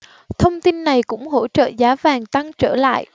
thông tin này cũng hỗ trợ giá vàng tăng trở lại